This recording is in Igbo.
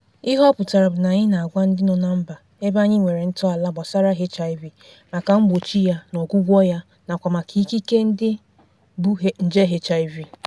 Ihe ọ pụtara bụ na anyị na-agwa ndị nọ na mba ebe anyị nwere ntọala gbasara HIV, maka mgbochi ya na ọgwụgwọ ya nakwa maka ikike nke ndị bu nje HIV.